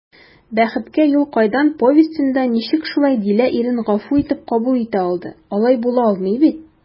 «бәхеткә юл кайдан» повестенда ничек шулай дилә ирен гафу итеп кабул итә алды, алай була алмый бит?»